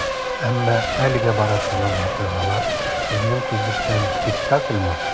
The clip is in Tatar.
Әмма әлегә бара торган вакыйгалар, сезнең күзлектән, спектакльмы?